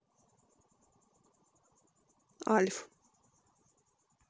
альф